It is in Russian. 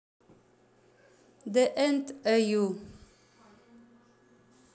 d and as you